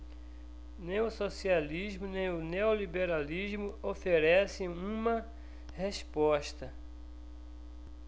nem o socialismo nem o neoliberalismo oferecem uma resposta